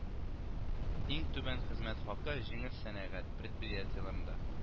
Иң түбән хезмәт хакы җиңел сәнәгать предприятиеләрендә